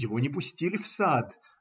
Его не пустили в сад